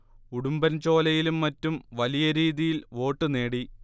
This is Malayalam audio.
ഉടുമ്ബൻ ചോലയിലും മറ്റും വലിയ രീതിയിൽ വോട്ട് നേടി